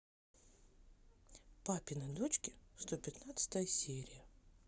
папины дочки сто пятнадцатая серия